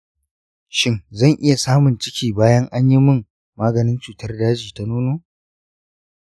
shin zan iya samin ciki bayan an yi min maganin cutar daji ta nono?